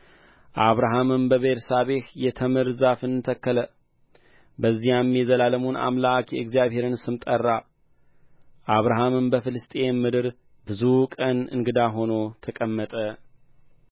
አብርሃምም በቤርሳቤህ የተምር ዛፍን ተከለ በዚያም የዘላለሙን አምላክ የእግዚአብሔርን ስም ጠራ አብርሃምም በፍልስጥኤም ምድር ብዙ ቀን እንግዳ ሆኖ ተቀመጠ